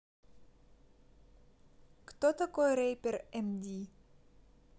кто такой рэпер m'dee